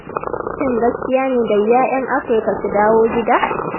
Shin gaskiya ne da wuya 'yan Afrika su dawo gida?